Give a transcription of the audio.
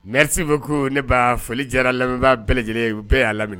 Ɛriti bɛ ko ne ba foli jara lamɛn bɛɛ lajɛlen u bɛɛ y'a laminɛ